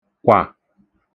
kwà